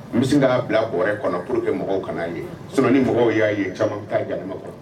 N bɛ k'a bilaɔr kɔnɔ pour que mɔgɔw kana'a ye so ni mɔgɔw y'a ye caman bɛ taa ga kɔrɔ